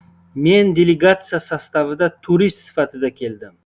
men delegatsiya sostavida turist sifatida keldim